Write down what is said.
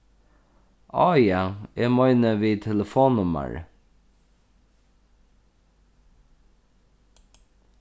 áh ja eg meini við telefonnummarið